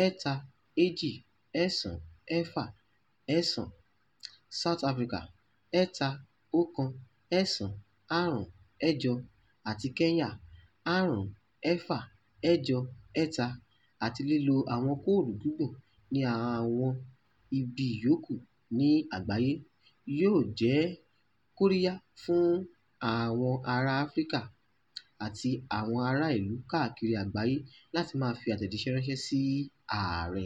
(32969), South Africa (31958) àti Kenya (5683), àti lílo àwọn kóòdù gígùn ní àwọn ibi yòókù ní àgbáyé *, yóò jẹ́ kóríyá fún àwọn ará Áfíríkà àti àwọn ará ìlú káàkiri àgbáyé láti máa fi àtẹ̀jíṣẹ́ ránṣẹ́ sí Ààrẹ.